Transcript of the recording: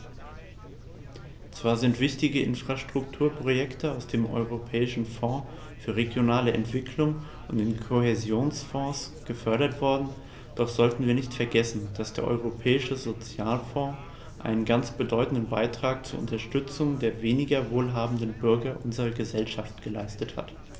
Zwar sind wichtige Infrastrukturprojekte aus dem Europäischen Fonds für regionale Entwicklung und dem Kohäsionsfonds gefördert worden, doch sollten wir nicht vergessen, dass der Europäische Sozialfonds einen ganz bedeutenden Beitrag zur Unterstützung der weniger wohlhabenden Bürger unserer Gesellschaft geleistet hat.